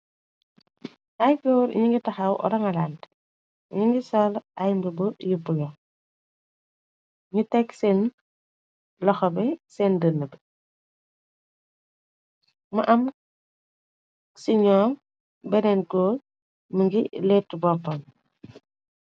Ay goor ñi ngi taxaw orangaland ñi ngi sal aymr bu yuppu yo ñu tegg seen loxabe seen dënn bi ma am si ñoon benen gor mi ngi leetu boppam.